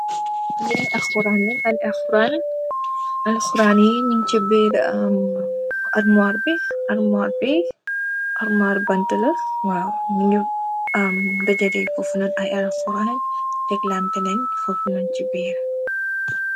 Li ay alhuran la ay alhuran alhuran yi nung si bir almor bi almor bi almor bantan waw nyugi dagale fofu ay alhuran tek lanteh leen fofu nonu si birr.